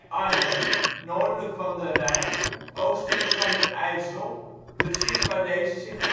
Arnhem; noordelijk van de Rijn, oostelijk van de IJssel, precies waar deze zich